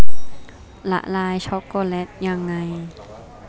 ละลายช็อคโกแลตยังไง